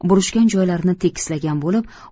burishgan joylarini tekislagan bo'lib